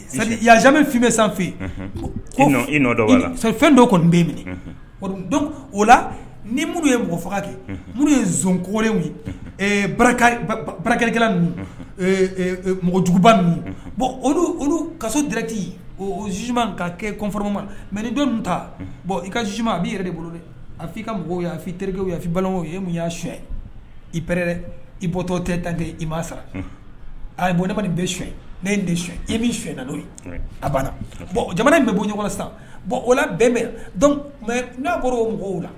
Ya min f fɛn bɛ san fɛ ko i fɛn dɔ kɔni bɛ minɛ o la ni muru ye mɔgɔ faga kɛ ye z kɔlen barakɛkɛla mɔgɔjuguba ninnu bɔn olu kaso dɛrɛti zuma ka kɛma ma mɛ ni don ta bɔn i ka juma a bɛi yɛrɛ de bolo a' i ka mɔgɔw yan f' i terikɛke yan f'i balima ye munya son iɛ i bɔtɔ tɛ tan kɛ i m ma sara a bɔn ne ma nin bɛ son ye ne de son e min na n'o ye a banna bon jamana bɛ bɔ ɲɔgɔn sa bon o la bɛn mɛn mɛ n'a bɔra o mɔgɔw la